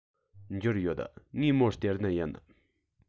འབྱོར ཡོད ངས མོར སྟེར ནི ཡིན